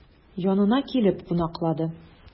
Янына килеп кунаклады.